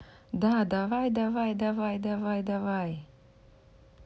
да давай давай давай давай давай